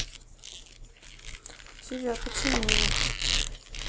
тебя починили